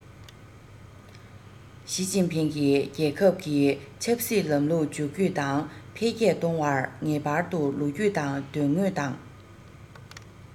ཞིས ཅིན ཕིང གིས རྒྱལ ཁབ ཀྱི ཆབ སྲིད ལམ ལུགས ཇུས བཀོད དང འཕེལ རྒྱས གཏོང བར ངེས པར དུ ལོ རྒྱུས དང དོན དངོས དང